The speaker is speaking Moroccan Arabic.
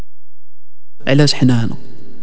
علاج حنان